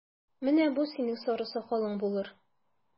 Менә бу синең сары сакалың булыр!